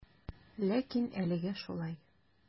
Ләкин әлегә шулай.